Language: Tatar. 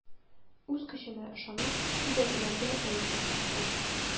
Үз көчемә ышанып, өйдәгеләргә әйтми киттем.